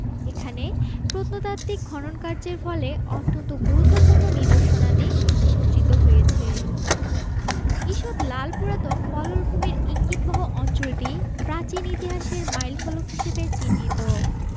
এখানে প্রত্নতাত্ত্বিক খননকার্যের ফলে অত্যন্ত গুরত্বপূর্ণ নিদর্শনাদি উন্মোচিত হয়েছে ঈষৎ লাল পুরাতন পললভূমির ইঙ্গিতবহ অঞ্চলটি প্রাচীন ইতিহাসের মাইল ফলক হিসেবে চিহ্নিত